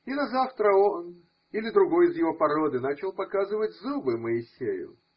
И на завтра он или другой из его породы начал показывать зубы Моисею.